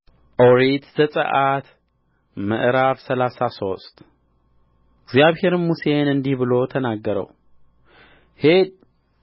ኦሪት ዘጽአት ምዕራፍ ሰላሳ ሶስት እግዚአብሔርም ሙሴን እንዲህ ብሎ ተናገረው ሂድ